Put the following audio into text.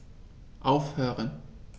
Aufhören.